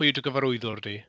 Pwy yw dy gyfarwyddwr di?